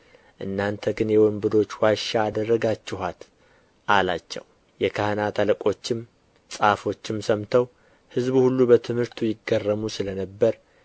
እናንተ ግን የወንበዶች ዋሻ አደረጋችኋት አላቸው የካህናት አለቆችም ጻፎችም ሰምተው ሕዝቡ ሁሉ በትምህርቱ ይገረሙ ስለ ነበር